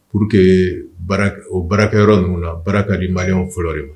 Pour que baarak o baarakɛ yɔrɔ ninnu na baara ka di malien u fɔlɔ de ma